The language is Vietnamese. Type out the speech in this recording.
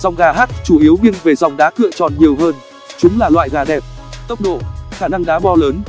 dòng gà hatch chủ yếu nghiêng về dòng đá cựa tròn nhiều hơn chúng là loại gà đẹp tốc độ khả năng đá bo lớn